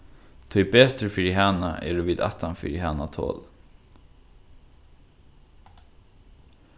tíbetur fyri hana eru vit aftanfyri hana tolin